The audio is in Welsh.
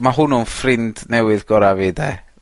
Ma' hwnnw'n ffrind newydd, gora' fi 'de?